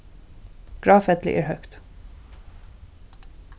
gráfelli er høgt